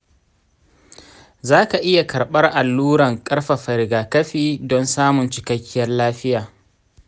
za ka iya karɓar alluran ƙarfafa rigakafi dan samun cikakiyar lafiya.